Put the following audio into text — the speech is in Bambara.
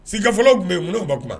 Sigikafɔlaw tun bɛ yen munna u ma kuma?